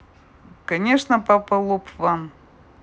конечно папа лоп ван